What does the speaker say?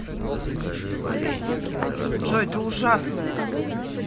джой ты ужасная